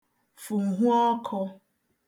fụ̀hu ọkụ̄